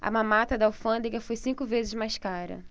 a mamata da alfândega foi cinco vezes mais cara